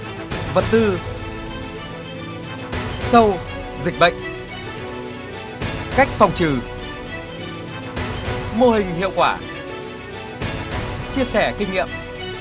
vật tư sâu dịch bệnh cách phòng trừ mô hình hiệu quả chia sẻ kinh nghiệm